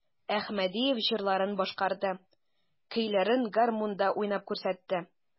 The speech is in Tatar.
Әхмәдиев җырларын башкарды, көйләрен гармунда уйнап күрсәтте.